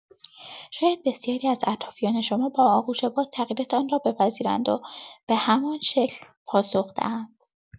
شاید بسیاری از اطرافیان شما با آغوش باز تغییراتتان را بپذیرند و به همان شکل پاسخ دهند.